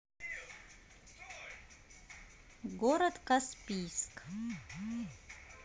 город каспийск